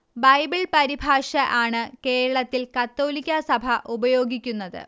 Bible പരിഭാഷ ആണ് കേരളത്തിൽ കത്തോലിക്കാ സഭ ഉപയോഗിക്കുന്നത്